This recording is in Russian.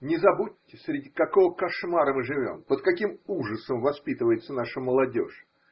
Не забудьте, среди какого кошмара мы живем, под каким ужасом воспитывается наша молодежь.